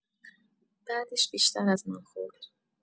بعدش بیشتر از من خورد!